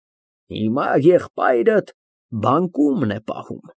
Հիմա եղբայրդ բանկումն է պահում։